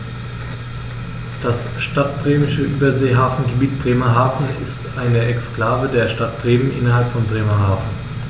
Das Stadtbremische Überseehafengebiet Bremerhaven ist eine Exklave der Stadt Bremen innerhalb von Bremerhaven.